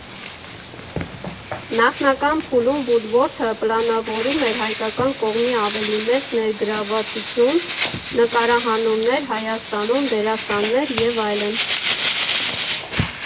Նախնական փուլում Վուդվորթը պլանավորում էր հայկական կողմի ավելի մեծ ներգրավվածություն՝ նկարահանումներ Հայաստանում, դերասաններ և այլն։